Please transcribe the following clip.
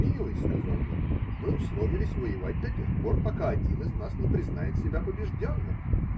-- Милый, -- сказал я, -- мы условились воевать до тех пор, пока один из нас не признает себя побежденным.